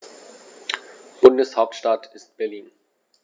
Bundeshauptstadt ist Berlin.